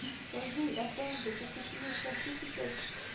— казый әфәнде! бу кешене шаһит итеп